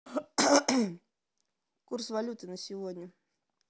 курс валюты на сегодня